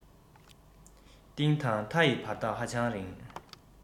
གཏིང དང མཐའ ཡི བར ཐག ཧ ཅང རིང